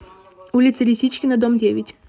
улица лисичкина дом десять